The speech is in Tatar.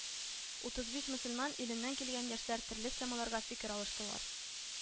Утыз биш мөселман иленнән килгән яшьләр төрле темаларга фикер алыштылар